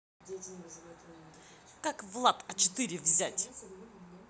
как влад а четыре взять